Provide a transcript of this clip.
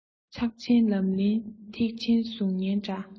ཕར ཕྱིན ཉམས ལེན ཐེག ཆེན གཟུགས བརྙན འདྲ